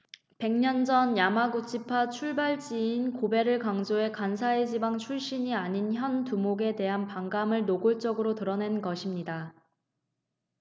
백 년 전 야마구치파 출발지인 고베를 강조해 간사이 지방 출신이 아닌 현 두목에 대한 반감을 노골적으로 드러낸 것입니다